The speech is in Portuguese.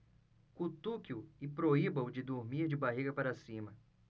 cutuque-o e proíba-o de dormir de barriga para cima